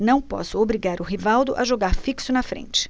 não posso obrigar o rivaldo a jogar fixo na frente